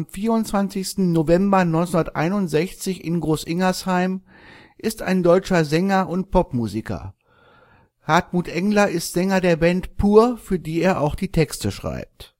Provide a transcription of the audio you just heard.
24. November 1961 in Großingersheim) ist ein deutscher Sänger und Pop-Musiker. Hartmut Engler ist Sänger der Band Pur, für die er auch die Texte schreibt